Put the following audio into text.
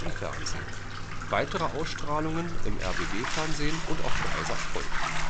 Fernsehen, weitere Ausstrahlungen im rbb Fernsehen und auf 3sat folgten